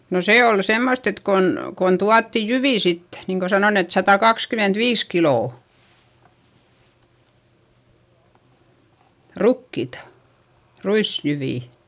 no se oli semmoista että kun kun tuotiin jyviä sitten niin kun sanon että satakaksikymmentäviisi kiloa rukiita ruisjyviä